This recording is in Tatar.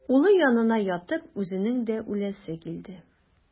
Улы янына ятып үзенең дә үләсе килде.